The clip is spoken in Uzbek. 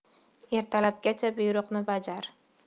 ertalabgacha buyruqni bajar